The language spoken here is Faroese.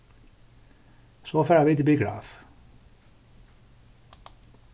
so fara vit í biograf